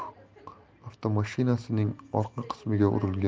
avtomashinasining orqa qismiga urilgan